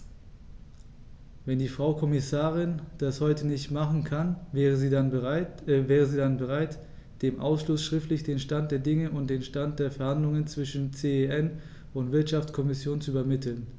Wenn die Frau Kommissarin das heute nicht machen kann, wäre sie dann bereit, dem Ausschuss schriftlich den Stand der Dinge und den Stand der Verhandlungen zwischen CEN und Wirtschaftskommission zu übermitteln?